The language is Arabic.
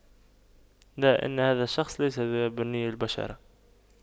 لا ان هذا الشخص ليس بني البشرة